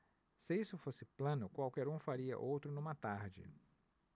se isso fosse plano qualquer um faria outro numa tarde